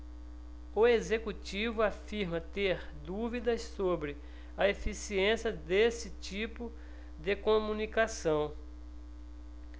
o executivo afirma ter dúvidas sobre a eficiência desse tipo de comunicação